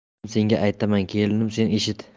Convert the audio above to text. qizim senga aytaman kelinim sen eshit